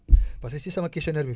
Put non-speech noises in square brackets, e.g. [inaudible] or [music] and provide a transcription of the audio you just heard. [breath] parce que si sama questionnaire bi